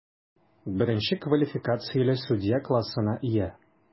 Беренче квалификацияле судья классына ия.